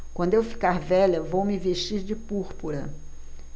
quando eu ficar velha vou me vestir de púrpura